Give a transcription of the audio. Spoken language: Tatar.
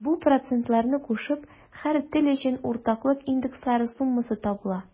Бу процентларны кушып, һәр тел өчен уртаклык индекслары суммасы табыла.